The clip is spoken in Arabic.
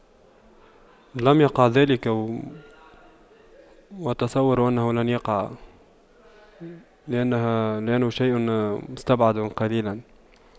لم يقع ذلك وأتصور انه لن يقع لأنها لأنه شيء مستبعد قليلا